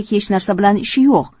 hech narsa bilan ishi yo'q